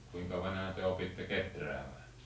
kuinka vanhana te opitte kehräämään